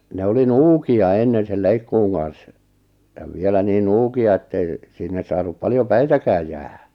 ne oli nuukia ennen sen leikkuun kanssa ja vielä niin nuukia että ei sinne saanut paljon päitäkään jäädä